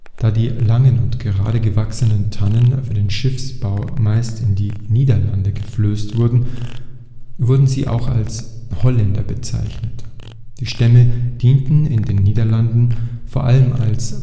Da die langen und gerade gewachsenen Tannen für den Schiffbau meist in die Niederlande geflößt wurden, wurden sie auch als „ Holländer “bezeichnet. Die Stämme dienten in den Niederlanden vor Allem als